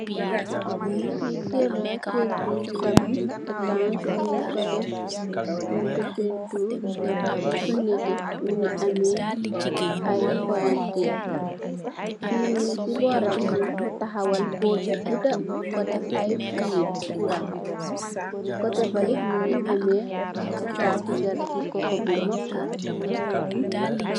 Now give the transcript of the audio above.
Lii kër la, kër buñ tabax, etans ñyng ko def, ñung ko peentur, lu nétté, mu ngi amee, ay palanteer, fii si bóoram, ñung fa taxaw, pool bu gudda, ñung ko def fiili kuran, si kotte bali, mu ngi amee taati garabi kotte bu mag.